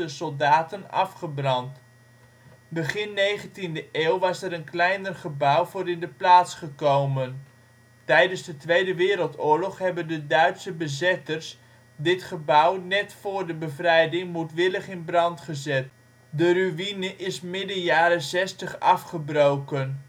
soldaten afgebrand. Begin 19e eeuw was er een kleiner gebouw voor in de plaats gekomen. Tijdens de Tweede Wereldoorlog hebben de Duitse bezetters dit gebouw net voor de bevrijding moedwillig in brand gezet. De ruïne is midden jaren zestig afgebroken